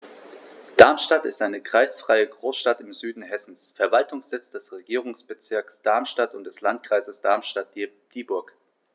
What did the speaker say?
Darmstadt ist eine kreisfreie Großstadt im Süden Hessens, Verwaltungssitz des Regierungsbezirks Darmstadt und des Landkreises Darmstadt-Dieburg.